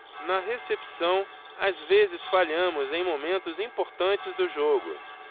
na recepção às vezes falhamos em momentos importantes do jogo